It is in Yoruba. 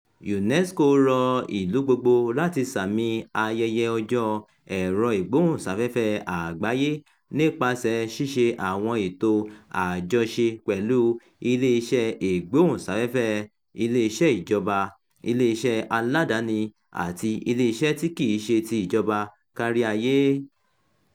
UNESCO rọ ìlú gbogbo láti sààmì ayẹyẹ Ọjọ́ Ẹ̀rọ-ìgbóhùnsáfẹ́fẹ́ Àgbáyé nípasẹ̀ ṣíṣe àwọn ètò àjọṣe pẹ̀lú iléeṣẹ́ ìgbóhùnsáfẹ́fẹ́, iléeṣẹ́ ìjọba, iléeṣẹ́ aládàáni àti iléeṣẹ́ tí kì í ṣe ti ìjọba kárí ayé.